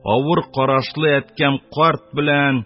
Авыр карашлы әткәм карт белән